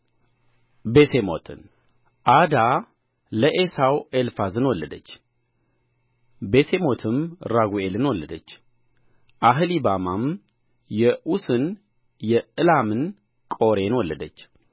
ቤሴሞትን ዓዳ ለዔሳው ኤልፋዝን ወለደች ቤሴሞትም ራጉኤልን ወለደች አህሊባማም የዑስን የዕላምን ቆሬን ወለደች